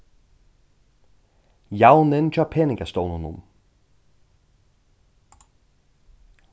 javnin hjá peningastovnunum